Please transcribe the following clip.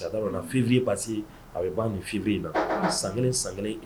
A ba min fi san kelen san kelen